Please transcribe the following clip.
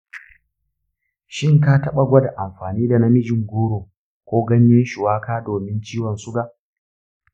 shin ka taɓa gwada amfani da naminji goro ko ganyen shuwaka domin ciwon suga?